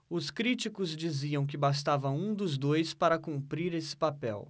os críticos diziam que bastava um dos dois para cumprir esse papel